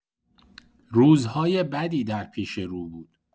روزهای بدی در پیش‌رو بود.